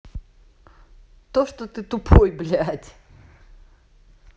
то что ты тупой блядь